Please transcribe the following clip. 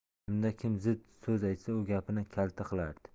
kimda kim zid so'z aytsa u gapini kalta qilardi